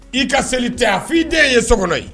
I ka seli tɛ a fɔ' ii den ye so ye